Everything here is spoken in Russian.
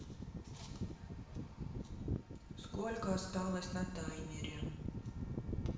сколько осталось на таймере